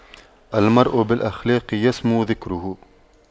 المرء بالأخلاق يسمو ذكره